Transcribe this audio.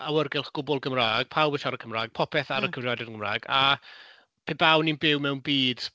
Awyrgylch gwbl Gymraeg pawb yn siarad Cymraeg popeth ar... mm. ...y cyfrifiadur yn Gymraeg, a pe bawn i'n byw mewn byd...